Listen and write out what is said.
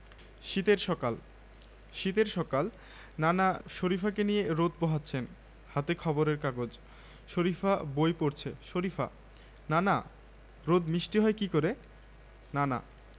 একটা সেলাই মেশিন তাহলে দেখিস আমাকে আর তোদের টানতে হবে না সেলাই টেলাই করে আমি খুব চালিয়ে নিতে পারব খোকনটাও বড় হয়ে যাবে তুই যদি ওকেও তখন আরব দেশে নিয়ে যেতে পারিস পারবি না পারব না কেন